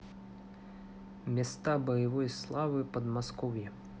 места боевой славы подмосковья